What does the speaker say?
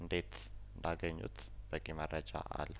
እንዴት እንዳገኙት በቂ መረጃ አለ